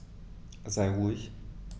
Sei ruhig.